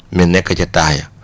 ma nekk ca taax ya